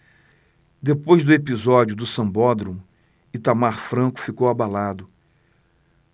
depois do episódio do sambódromo itamar franco ficou abalado